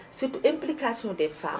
surtout implication des femmes